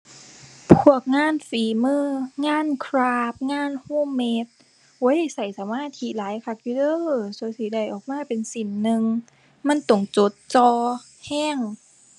พวกงานฝีมือ งานคราฟต์ งาน homemade โอ้ย ใช้สมาธิหลายคักอยู่เด้อ สั่วสิได้ออกมาเป็นใช้หนึ่ง มันต้องจดจ่อใช้